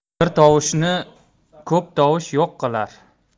bir tovushni ko'p tovush yo'q qilar